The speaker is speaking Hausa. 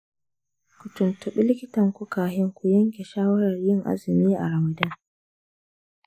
ku tuntuɓi likitanku kafin ku yanke shawarar yin azumi a ramadan.